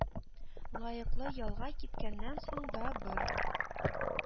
Лаеклы ялга киткәннән соң да Бы